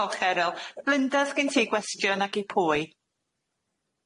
Diolch Eryl. Glynda sgin ti gwestiwn ag i pwy?